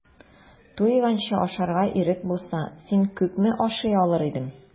Туйганчы ашарга ирек булса, син күпме ашый алыр идең?